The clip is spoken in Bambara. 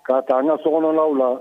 K kaa taa an ka sokɔnɔ la